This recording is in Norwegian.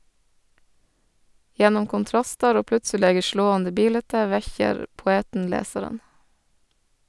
Gjennom kontrastar og plutselege slåande bilete vekkjer poeten lesaren.